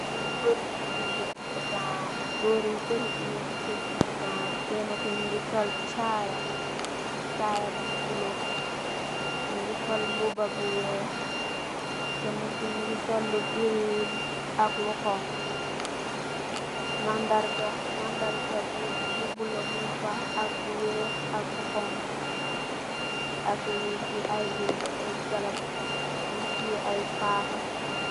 Goor yu bari nyu geh fetcha chosan goor yu bari nyu geh fetcha chosan kena ki mogi sol chaya chaya bu bulo mogi sol mbuba bu weex kena ki mogi sol lu green ak lu xonxa mandarga bu bulo mung fa ak weex ak xonxa ak ay garab nyu gi tiyeh ay paka.